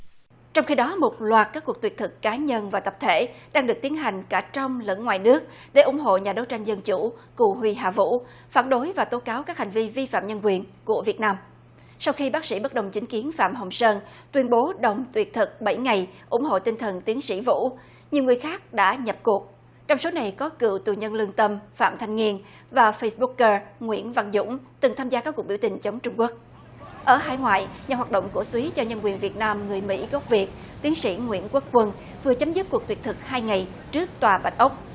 trong khi đó một loạt các cuộc tuyệt thực cá nhân và tập thể đang được tiến hành cả trong lẫn ngoài nước để ủng hộ nhà đấu tranh dân chủ cù huy hà vũ phản đối và tố cáo các hành vi vi phạm nhân quyền của việt nam sau khi bác sĩ bất đồng chính kiến phạm hồng sơn tuyên bố đồng tuyệt thực bảy ngày ủng hộ tinh thần tiến sĩ vũ nhiều người khác đã nhập cuộc trong số này có cựu tù nhân lương tâm phạm thanh nghiên và phây búc cơ nguyễn văn dũng từng tham gia các cuộc biểu tình chống trung quốc ở hải ngoại do hoạt động cổ súy cho nhân quyền việt nam người mỹ gốc việt tiến sĩ nguyễn quốc quân vừa chấm dứt cuộc tuyệt thực hai ngày trước tòa bạch ốc